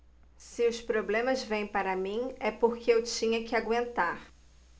se os problemas vêm para mim é porque eu tinha que aguentar